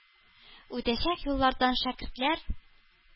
Үтәчәк юллардан шәкертләр